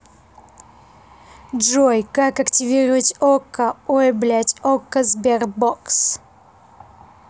джой как активировать okko ой блядь okko sberbox